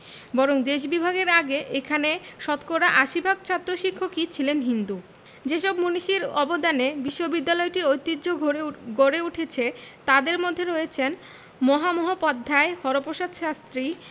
বরং দেশ বিভাগের আগে এখানে ৮০% ছাত্র শিক্ষকই ছিলেন হিন্দু যেসব মনীষীর অবদানে বিশ্ববিদ্যালয়টির ঐতিহ্য গড়ে উঠেছে তাঁদের মধ্যে রয়েছেন মহামহোপাধ্যায় হরপ্রসাদ শাস্ত্রী